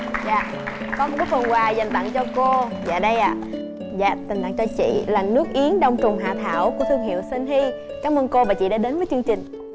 dạ con có phần quà dành tặng cho cô dạ đây ạ dạ tầng cho chị là nước yến đông trùng hạ thảo của thương hiệu sơn hi cảm ơn cô và chị đã đến với chương trình